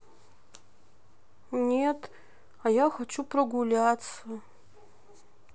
нет а я хочу поругаться